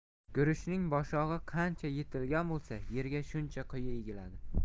guruchning boshog'i qancha yetilgan bo'lsa yerga shuncha quyi egiladi